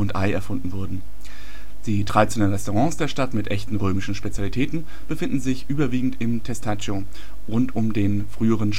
Ei erfunden wurden. Die traditionellen Restaurants der Stadt mit echten römischen Spezialitäten befinden sich überwiegend in Testaccio rund um den früheren